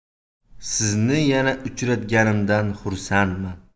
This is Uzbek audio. sizni yana uchratganimdan xursandman